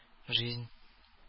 Жизнь